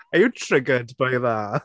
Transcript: Are you triggered by that?